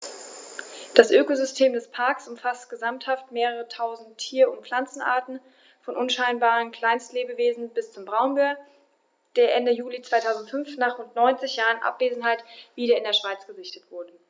Das Ökosystem des Parks umfasst gesamthaft mehrere tausend Tier- und Pflanzenarten, von unscheinbaren Kleinstlebewesen bis zum Braunbär, der Ende Juli 2005, nach rund 90 Jahren Abwesenheit, wieder in der Schweiz gesichtet wurde.